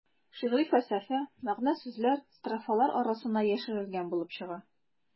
Шигъри фәлсәфә, мәгънә-сүзләр строфалар арасына яшерелгән булып чыга.